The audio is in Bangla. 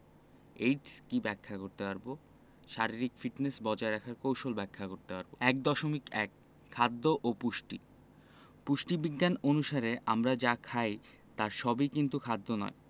এইডস কী ব্যাখ্যা করতে পারব শারীরিক ফিটনেস বজায় রাখার কৌশল ব্যাখ্যা করতে পারব ১.১ খাদ্য ও পুষ্টি পুষ্টিবিজ্ঞান অনুসারে আমরা যা খাই তার সবই কিন্তু খাদ্য নয়